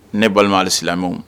Ne balima hali silamɛmew